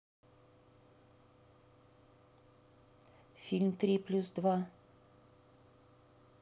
фильм три плюс два